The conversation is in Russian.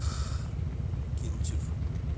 кинчев